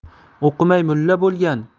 o'qimay mulla bo'lgan